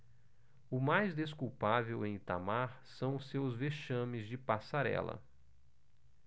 o mais desculpável em itamar são os seus vexames de passarela